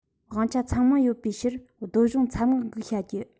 དབང ཆ ཚང མ ཡོད པའི ཕྱིར སྡོད གཞུང ཚབ མངགས འགུགས བྱ རྒྱུ